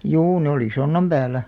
juu ne oli sonnan päällä